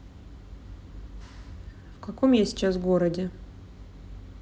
в каком я сейчас городе